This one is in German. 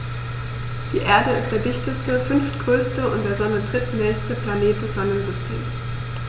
Die Erde ist der dichteste, fünftgrößte und der Sonne drittnächste Planet des Sonnensystems.